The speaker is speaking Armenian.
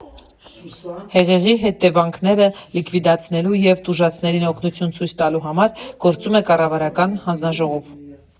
Հեղեղի հետևանքները լիկվիդացնելու և տուժածներին օգնություն ցույց տալու համար գործում է կառավարական հանձնաժողով։